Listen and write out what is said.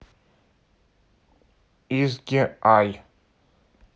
изге ай